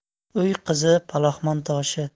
uy qizi palaxmon toshi